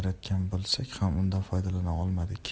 yaratgan bo'lsak ham undan foydalana olmadik